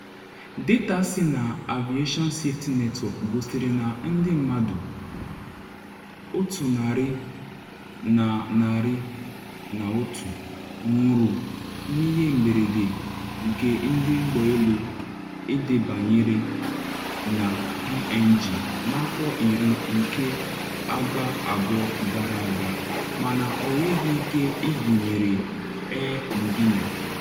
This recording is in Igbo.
Data si na Aviation Safety Network gosiri na ndị mmadụ 111 nwụrụ n’ihe mberede nke ndị ụgbọ elu edebanyere-na-PNG n’afọ iri nke agba abụọ gara aga mana ọ nweghị ike ịgụnyere Air Niugini.